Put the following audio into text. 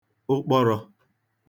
ụkpọrọ̄